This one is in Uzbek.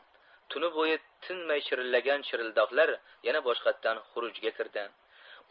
tuni bo'yi tinmay chirillagan chirildoqlar yana boshqatdan xurujga kirdi